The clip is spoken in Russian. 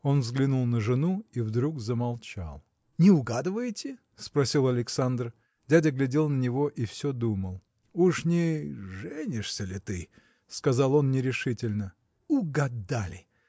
Он взглянул на жену и вдруг замолчал. – Не угадываете? – спросил Александр. Дядя глядел на него и все думал. – Уж не. женишься ли ты? – сказал он нерешительно. – Угадали!